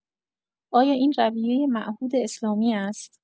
آیا این رویۀ معهود اسلامی است؟